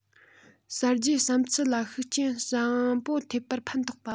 གསར བརྗེའི བསམ ཚུལ ལ ཤུགས རྐྱེན བཟང པོ ཐེབས པར ཕན ཐོགས པ